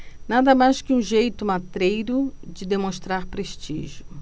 nada mais que um jeito matreiro de demonstrar prestígio